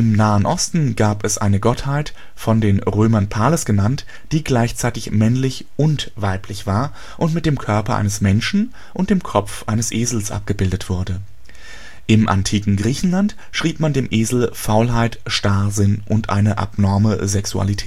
Nahen Osten gab es eine Gottheit, von den Römern Pales genannt, die gleichzeitig männlich und weiblich war und mit dem Körper eines Menschen und dem Kopf eines Esels abgebildet wurde. Im antiken Griechenland schrieb man dem Esel Faulheit, Starrsinn und eine abnorme Sexualität